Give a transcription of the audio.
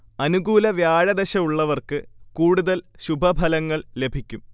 അനുകൂല വ്യാഴദശ ഉള്ളവർക്ക് കൂടുതൽ ശുഭഫലങ്ങൾ ലഭിക്കും